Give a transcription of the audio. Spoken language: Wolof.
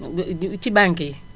ci banques yi